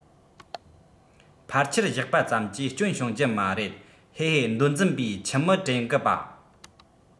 ཕལ ཆེལ བཞག པ ཙམ གྱིས སྐྱོན བྱུང རྒྱུ མ རེད ཧེ ཧེ མདོ འཛིན པས ཁྱིམ མི དྲན གི པ